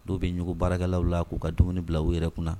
Dɔw bɛ ɲɔ baarakɛlawlaw la k'u ka dumuni bila u yɛrɛ kunna na